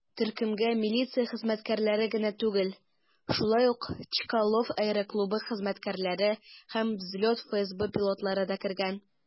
Төркемгә милиция хезмәткәрләре генә түгел, шулай ук Чкалов аэроклубы хезмәткәрләре һәм "Взлет" ФСБ пилотлары да кергән.